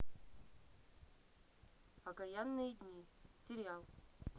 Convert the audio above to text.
окаянные дни сериал